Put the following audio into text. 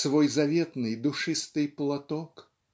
свой заветный душистый платок".